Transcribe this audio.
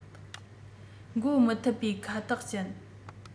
འགོད མི ཐིབ པའི ཁ རྟགས ཅན